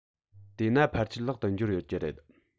དེས ན ཕལ ཆེར ལག ཏུ འབྱོར ཡོད ཀྱི རེད